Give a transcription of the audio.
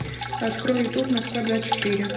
открой ютуб москва двадцать четыре